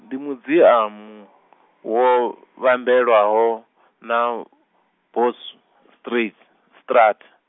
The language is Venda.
ndi muziamu, wo, vhambelwaho, na, Bos Street, straat.